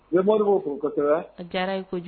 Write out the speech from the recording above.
Mobugu ko kosɛbɛ diyara ye kojugu